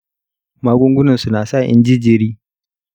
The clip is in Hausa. magungunana su na sa inji jiri.